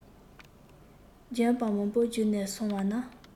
ལྗོན པ མང པོ བརྒྱུད ནས སོང བ ན